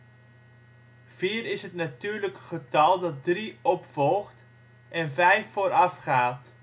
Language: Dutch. Vier is het natuurlijke getal dat drie opvolgt en vijf voorafgaat